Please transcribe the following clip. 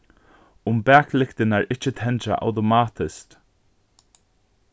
um baklyktirnar ikki tendra automatiskt